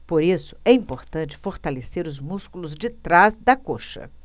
por isso é importante fortalecer os músculos de trás da coxa